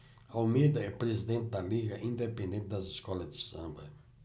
almeida é presidente da liga independente das escolas de samba